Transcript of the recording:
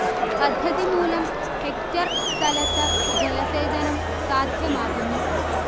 പദ്ധതിമൂലം hectare സ്ഥലത്ത് ജലസേചനം സാധ്യമാകുന്നു